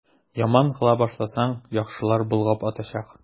Яман кыла башласаң, яхшылар болгап атачак.